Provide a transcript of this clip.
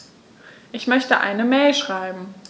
Ich möchte eine Mail schreiben.